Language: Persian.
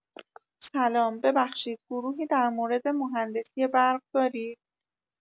سلام ببخشید گروهی در مورد مهندسی برق دارید؟